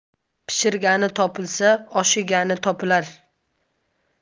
pishirgani topilsa oshiigani topilar